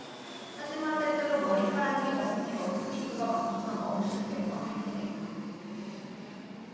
하지만 때때로 머리카락이 엉켜 흡입구가 막히면 멈추는 경우가 발생했다